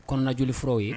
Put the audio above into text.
Kɔnɔnajfw ye